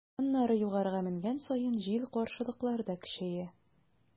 Аннары, югарыга менгән саен, җил-каршылыклар да көчәя.